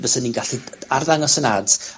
faswn i'n gallu arddangos 'yn Ads,